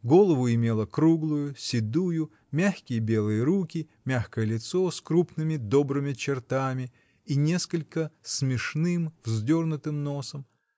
голову имела круглую, седую, мягкие белые руки, мягкое лицо с крупными, добрыми чертами и несколько смешным, вздернутым носом